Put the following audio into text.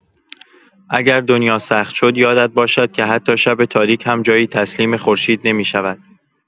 اگر دنیا سخت شد، یادت باشد که حتی شب تاریک هم جایی تسلیم خورشید نمی‌شود.